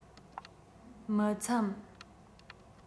མི འཚམས